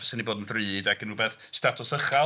Fysai hynny bod yn ddrud ac yn rywbeth statws uchel.